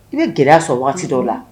I bɛ gɛlɛya sɔrɔ waati dɔw la